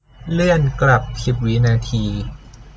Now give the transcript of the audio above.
เลื่อนกลับสิบวินาที